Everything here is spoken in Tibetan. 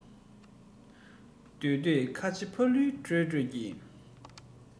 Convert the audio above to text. འདོད འདོད ཁ ཆེ ཕ ལུའི གྲོས གྲོས ཀྱི